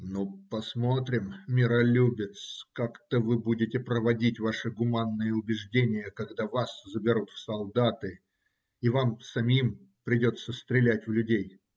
- Ну, посмотрим, миролюбец, как-то вы будете проводить ваши гуманные убеждения, когда вас заберут в солдаты и вам самим придется стрелять в людей.